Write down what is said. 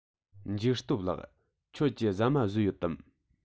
འཇིགས སྟོབས ལགས ཁྱོད ཀྱིས ཟ མ ཟོས ཡོད དམ